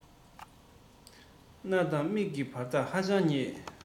སྣ དང མིག གི བར ཐག ཧ ཅང ཉེ